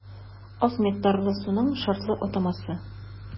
Аз микъдарлы суның шартлы атамасы.